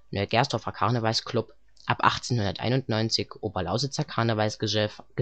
Neugersdorfer Karnevalsclub) - ab 1991 Oberlausitzer Karnevalsgesellschaft